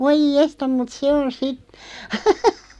voi jestas mutta se on sitten